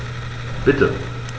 Bitte.